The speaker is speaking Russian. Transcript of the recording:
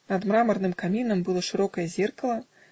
над мраморным камином было широкое зеркало